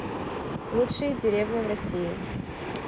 лучшие деревня в россии